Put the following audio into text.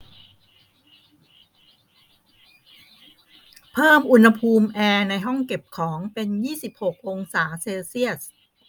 เพิ่มอุณหภูมิแอร์ในห้องเก็บของเป็นยี่สิบหกองศาเซลเซียส